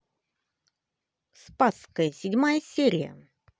спасская седьмая серия